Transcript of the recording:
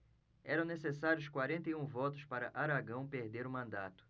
eram necessários quarenta e um votos para aragão perder o mandato